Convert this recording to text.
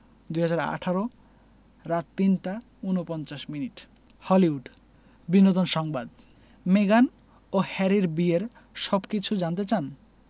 ২০১৮ রাত ৩টা ৪৯ minute Hollywood বিনোদন সংবাদ মেগান ও হ্যারির বিয়ের সবকিছু জানতে চান